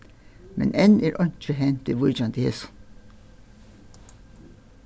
men enn er einki hent viðvíkjandi hesum